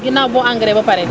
ginnaaw boo engrais ba pare